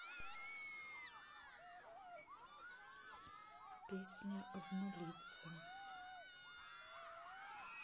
песня обнулиться